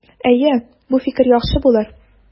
Әйе, бу фикер яхшы булыр.